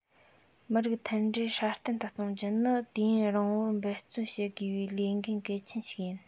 མི རིགས མཐུན སྒྲིལ སྲ བརྟན དུ གཏོང རྒྱུ ནི དུས ཡུན རིང པོར འབད བརྩོན བྱེད དགོས པའི ལས འགན གལ ཆེན ཞིག ཡིན